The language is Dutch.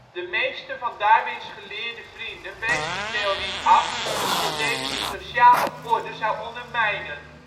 De meeste van Darwins geleerde vrienden wezen de theorie af omdat deze de sociale orde zou ondermijnen